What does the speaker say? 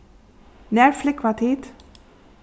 nær flúgva tit